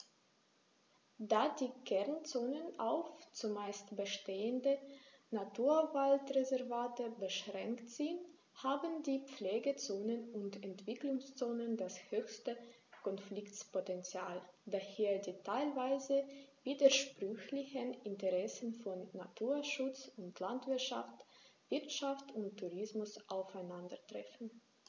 Da die Kernzonen auf – zumeist bestehende – Naturwaldreservate beschränkt sind, haben die Pflegezonen und Entwicklungszonen das höchste Konfliktpotential, da hier die teilweise widersprüchlichen Interessen von Naturschutz und Landwirtschaft, Wirtschaft und Tourismus aufeinandertreffen.